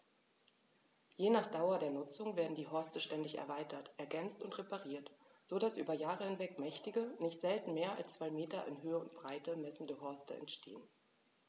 Je nach Dauer der Nutzung werden die Horste ständig erweitert, ergänzt und repariert, so dass über Jahre hinweg mächtige, nicht selten mehr als zwei Meter in Höhe und Breite messende Horste entstehen.